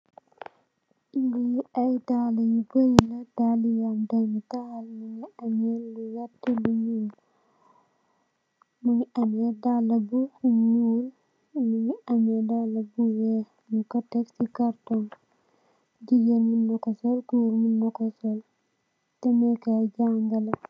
Lii ay dallë yu bari la, dallë yu, dallë ay yiree, yu mu ngi amee dallë bu ñuul, mu ngi amee dallë bu weex, ñung ko tek si kartoñ bi, jigéen mun nako sol, goor mu nak oo sol, demee kaay janga la.